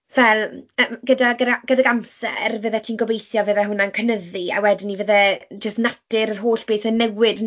Fel yy gyda gyda gydag amser fyddet ti'n gobeithio fyddai hwnna'n cynnyddu, a wedyn mi fyddai jyst natur yr holl beth yn newid.